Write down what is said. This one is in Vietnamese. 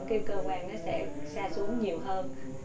cái cơ quan nó sẽ sa xuống nhiều hơn